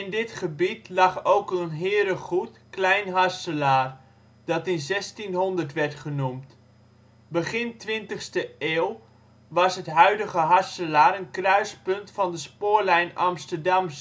dit gebied lag ook een herengoed Klein Harselaar, dat in 1600 werd genoemd. Begin 20e eeuw was het huidige Harselaar een kruispunt van de spoorlijn Amsterdam